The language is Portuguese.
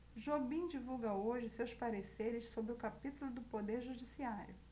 jobim divulga hoje seus pareceres sobre o capítulo do poder judiciário